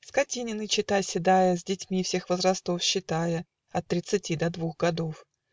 Скотинины, чета седая, С детьми всех возрастов, считая От тридцати до двух годов